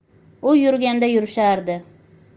u yurganda yurishardi